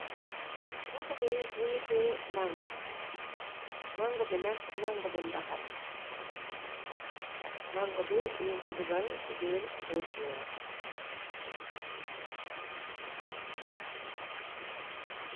Loho bi mungi tè mango, mango bi nak mango bun bahal la, mango bi nung ko dugal ci biir mbus bu weeh.